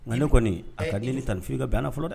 Nkale kɔni a ka dilanli tan nifin ka bɛnana fɔlɔ dɛ